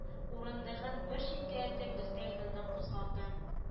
Урындагы бер читкә этеп өстәл яныннан кузгалды